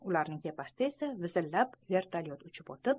ularning tepasida esa g'izillab vertolyot uchib o'tib